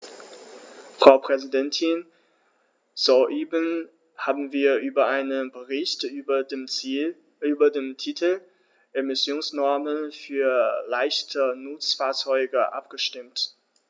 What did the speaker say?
Frau Präsidentin, soeben haben wir über einen Bericht mit dem Titel "Emissionsnormen für leichte Nutzfahrzeuge" abgestimmt.